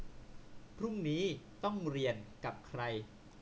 พรุ่งนี้ต้องเรียนกับใคร